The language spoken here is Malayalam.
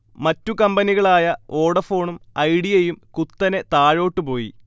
മറ്റു കമ്പനികളായ വോഡഫോണും ഐഡിയയും കുത്തനെ താഴോട്ടുപോയി